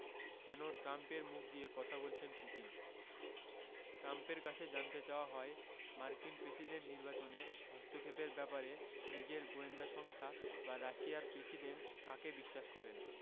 যেন ট্রাম্পের মুখ দিয়ে কথা বলছেন পুতিন ট্রাম্পের কাছে জানতে চাওয়া হয় মার্কিন প্রেসিডেন্ট নির্বাচনে হস্তক্ষেপের ব্যাপারে নিজের গোয়েন্দা সংস্থা বা রাশিয়ার প্রেসিডেন্ট কাকে বিশ্বাস করেন